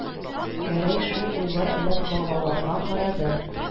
Гәрәй шул уйлар белән балаларга карады